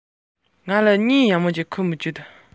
ང ལ བཤད རྒྱུ ཅི ཡང མེད